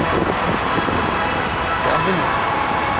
говнюк